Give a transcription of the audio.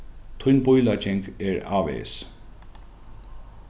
tín bílegging er ávegis